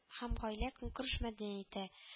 Һәм гаилә-көнкүреш мәдәияте